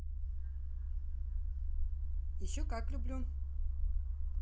еще как люблю